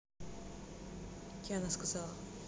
яна сказала